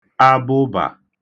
abụbà